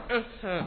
Unhun